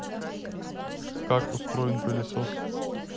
как устроен пылесос